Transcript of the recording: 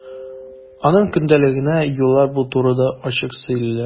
Аның көндәлегендәге юллар бу турыда ачык сөйлиләр.